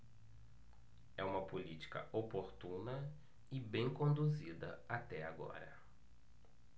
é uma política oportuna e bem conduzida até agora